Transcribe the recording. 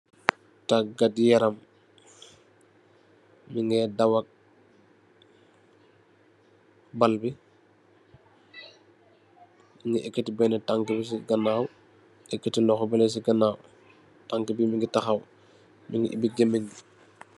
Tangatt yaram mungai daawak baal bi Mungi ackati bena tanka bi sey ganaw ackati loho beleh sey ganaw tanka bi Mungi tahaw Mungi obi gamenj bi.